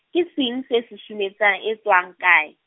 ke seng se susumetsang, e tswang kae?